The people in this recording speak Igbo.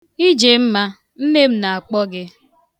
Ijemma, nne m na-akpọ gị.